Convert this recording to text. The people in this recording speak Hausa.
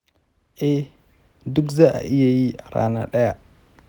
eh, duk za'a iya yi a rana ɗaya.